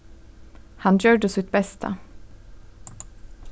hann gjørdi sítt besta